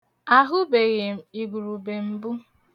Ahụbeghị m igwurube mbụ.